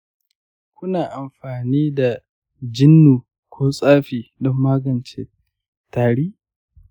kuna amfani da jinnu ko tsafi don magance tari?